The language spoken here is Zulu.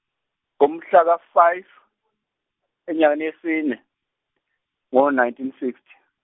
ngomhlaka- five enyangeni yesine ngo- nineteen sixty.